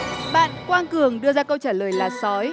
bạn quang cường đưa ra câu trả lời là sói